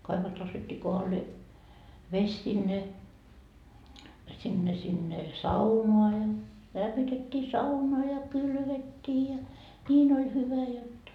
kaivosta nostettiin kohdalleen vesi sinne sinne sinne saunaan ja lämmitettiin sauna ja kylvettiin ja niin oli hyvä jotta